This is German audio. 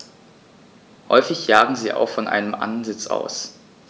Häufig jagen sie auch von einem Ansitz aus.